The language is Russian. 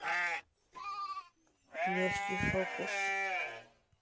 легкий фокус